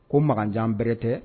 Ko makanjan berete.